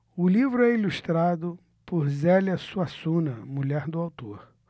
o livro é ilustrado por zélia suassuna mulher do autor